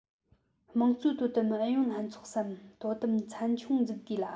དམངས གཙོའི དོ དམ ཨུ ཡོན ལྷན ཚོགས སམ དོ དམ ཚན ཆུང འཛུགས དགོས ལ